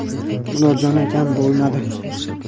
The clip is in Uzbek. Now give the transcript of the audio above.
murodjon akam bo'lmadi